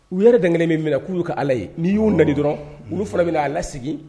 U yɛrɛ dang kelen min k'u ka ala ye n'i y'u nan dɔrɔn olu fana bɛna na ala la segin